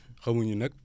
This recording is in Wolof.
xamuñu nag